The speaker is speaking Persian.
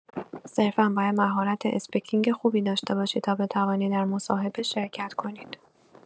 صرفا باید مهارت اسپیکینگ خوبی داشته باشید تا بتوانید در مصاحبه شرکت کنید.